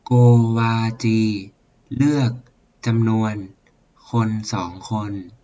โกวาจีเลือกจำนวนคนสองคน